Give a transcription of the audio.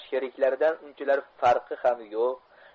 sheriklaridan unchalar farqi ham yo'q